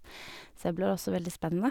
Så det blir også veldig spennende.